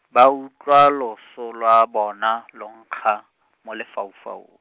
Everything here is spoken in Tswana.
ba utlwa loso iwa bona, lo nkga, mo lefaufau.